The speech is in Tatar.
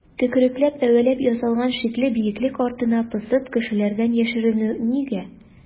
Төкерекләп-әвәләп ясалган шикле бөеклек артына посып кешеләрдән яшеренү нигә?